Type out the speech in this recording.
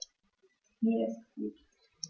Mir ist gut.